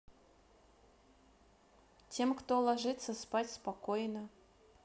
тем кто ложится спать спокойно